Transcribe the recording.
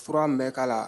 Furauran an bɛɛkala la